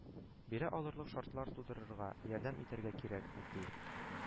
Бирә алырлык шартлар тудырырга, ярдәм итәргә кирәк, ди